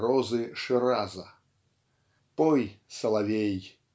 РОЗЫ ШИРАЗА Пой, соловей!